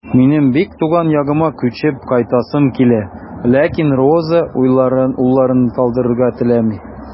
Минем бик туган ягыма күчеп кайтасым килә, ләкин Роза улларын калдырырга теләми.